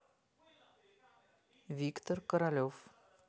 виктор королев